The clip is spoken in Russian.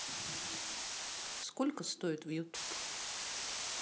сколько стоит в ютуб